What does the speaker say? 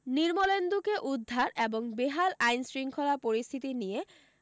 নির্মলেন্দুকে উদ্ধার এবং বেহাল আইনশৃঙ্খলা পরিস্থিতি নিয়ে